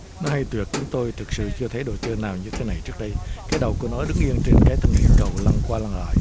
này được chúng tôi thực sự chưa thấy đồ chơi nào như thế này trước đây cái đầu của nó đứng yên trên cái thân hình cầu lăn qua lăn lại